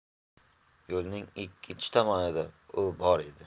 yo'lning ikkinchi tomonida u bor edi